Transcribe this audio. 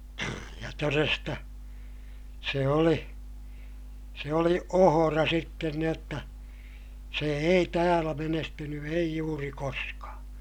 ja todesta se oli se oli ohra sitten niin jotta se ei täällä menestynyt ei juuri koska